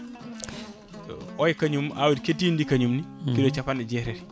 oya kañum awdi keddi ndi kañumne kilo capanɗe jeetati